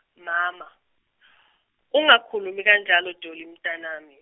mama , ungakhulumi kanjalo Dolly mntanami.